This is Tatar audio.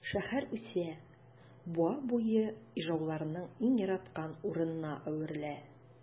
Шәһәр үсә, буа буе ижауларның иң яраткан урынына әверелә.